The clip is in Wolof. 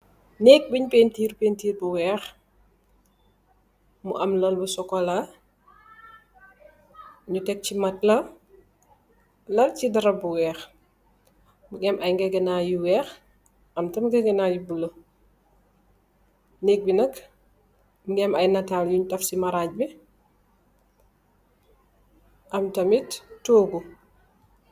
Neek bunye paintir, paintir bu weex. Mu am lu chocola nyu tek si matla nyu lal si darap bu weex, ngegenai yu weex, am tamit ngegenai yu bulah. Neek bi tam mungi am aye natal yunye taf si maraj bi mungi am tamit aye toguh